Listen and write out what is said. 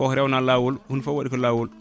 koko rewna lawol hunde foof waɗi ko lawol